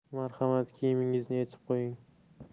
marhamat kiyimingizni yechib qo'ying